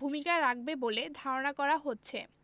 ভূমিকা রাখবে বলে ধারণা করা হচ্ছে